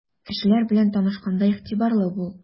Кешеләр белән танышканда игътибарлы бул.